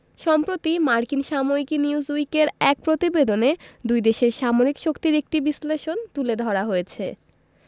সম্প্রতি মার্কিন সাময়িকী নিউজউইকের এক প্রতিবেদনে দুই দেশের সামরিক শক্তির একটি বিশ্লেষণ তুলে ধরা হয়েছে